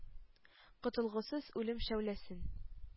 Котылгысыз үлем шәүләсен.